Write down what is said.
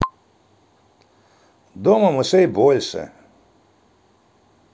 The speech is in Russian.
дома мышей больше